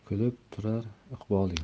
kulib turar iqboling